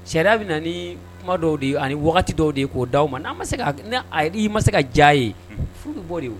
Cɛda bɛ na ni kuma dɔw de ye ani dɔw de ye'o' aw ma ma se ii ma se ka diya ye furu bɛ bɔ de